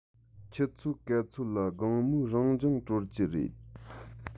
ཆུ ཚོད ག ཚོད ལ དགོང མོའི རང སྦྱོང གྲོལ གྱི རེད